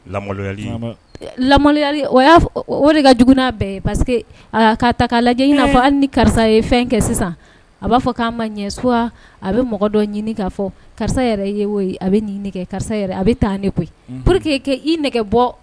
Liyali o'a o de ka jugu bɛɛ parce que'a ta lajɛ in'a fɔ an ni karisa ye fɛn kɛ sisan a b'a fɔ k'a ma ɲɛ su a bɛ mɔgɔ dɔ ɲini k'a fɔ karisa yɛrɛ ye a bɛ nɛgɛ karisa yɛrɛ a bɛ taa ne koyi p que i nɛgɛ bɔ